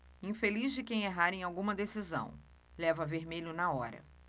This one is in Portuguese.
infeliz de quem errar em alguma decisão leva vermelho na hora